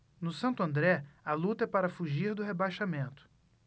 no santo andré a luta é para fugir do rebaixamento